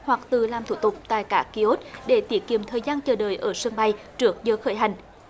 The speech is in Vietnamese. hoặc tự làm thủ tục tại các ki ốt để tiết kiệm thời gian chờ đợi ở sân bay trước giờ khởi hành